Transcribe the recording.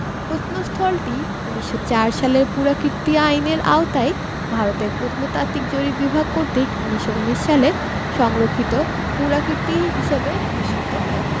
প্রত্নস্থলটি ১৯০৪ সালের পুরাকীর্তি আইনের আওতায় ভারতের প্রত্নতাত্ত্বিক জরিপ বিভাগ কর্তৃক ১৯১৯ সালে সংরক্ষিত পুরাকীর্তি হিসেবে ঘোষিত হয়